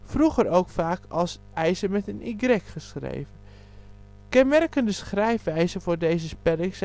vroeger ook vaak als yzer geschreven. Kenmerkende schrijfwijzen voor deze spelling